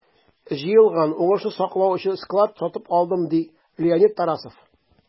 Җыелган уңышны саклау өчен склад сатып алдым, - ди Леонид Тарасов.